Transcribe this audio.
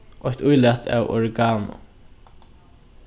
eitt ílat av oregano